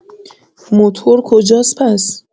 موتور کجاست پس؟